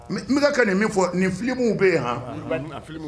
N bɛka ka nin min fɔ nin filimuw bɛ yen h